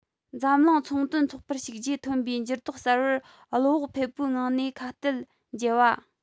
འཛམ གླིང ཚོང དོན ཚོགས པར ཞུགས རྗེས ཐོན པའི འགྱུར ལྡོག གསར པར བློ བག ཕེབས པོའི ངང ནས ཁ གཏད འཇལ བ